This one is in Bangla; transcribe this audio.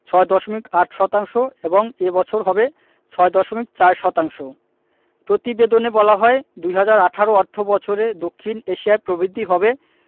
৬.৮ শতাংশ এবং এ বছর হবে ৬.৪ শতাংশ প্রতিবেদনে বলা হয় ২০১৮ অর্থবছরে দক্ষিণ এশিয়ায় প্রবৃদ্ধি হবে